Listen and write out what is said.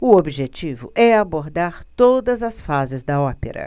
o objetivo é abordar todas as fases da ópera